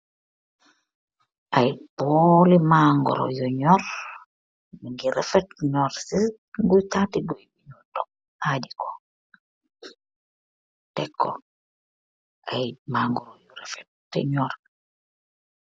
Aye boole mango yu nurr, nugi refet nurr se tate guuye lanu dok nu aje ku tek ku aye mango yu refet te nurr.